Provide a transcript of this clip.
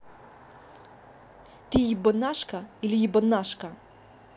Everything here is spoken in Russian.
ты ебанашка или ебанашка